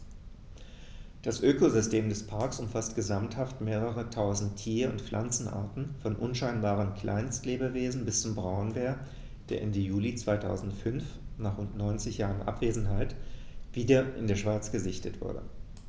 Das Ökosystem des Parks umfasst gesamthaft mehrere tausend Tier- und Pflanzenarten, von unscheinbaren Kleinstlebewesen bis zum Braunbär, der Ende Juli 2005, nach rund 90 Jahren Abwesenheit, wieder in der Schweiz gesichtet wurde.